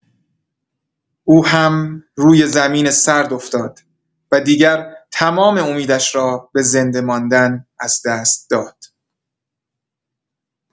او هم روی زمین سرد افتاد و دیگر تمام امیدش را به زنده‌ماندن از دست داد.